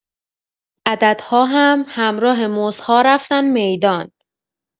عددها هم همراه موزها رفتن میدان.